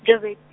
Joburg.